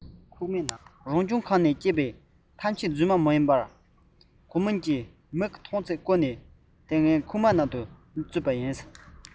རང བྱུང ཁམས ནང སྐྱེས པ ཐམས ཅད རྫུན མ མིན པར གོ མིག གིས མཐོང ཚད བརྐོས ནས ཁུག མའི ནང དུ བླུགས